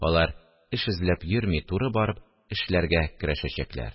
Алар эш эзләп йөрми, туры барып, эшләргә керешәчәкләр